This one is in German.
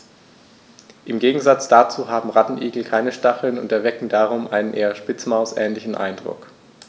Im Gegensatz dazu haben Rattenigel keine Stacheln und erwecken darum einen eher Spitzmaus-ähnlichen Eindruck.